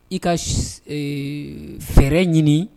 I ka fɛrɛɛrɛ ɲini